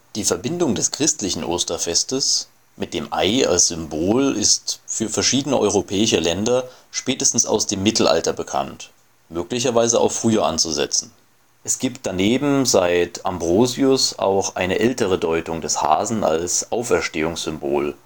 Die Verbindung des christlichen Osterfestes mit dem Ei als Symbol ist für verschiedene europäische Länder spätestens aus dem Mittelalter bekannt, möglicherweise auch früher anzusetzen. Es gibt daneben seit Ambrosius auch eine ältere Deutung des Hasen als Auferstehungssymbol